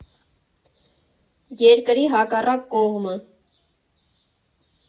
Երկրի հակառակ կողմը։